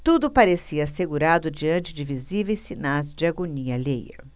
tudo parecia assegurado diante de visíveis sinais de agonia alheia